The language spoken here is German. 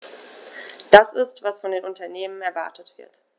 Das ist, was von den Unternehmen erwartet wird.